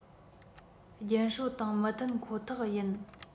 རྒྱུན སྲོལ དང མི མཐུན ཁོ ཐག ཡིན